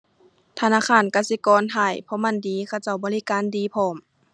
ธนาคารกสิกรไทย เพราะมันดี เขาเจ้าบริการดีพร้อม